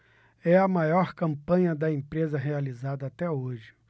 é a maior campanha da empresa realizada até hoje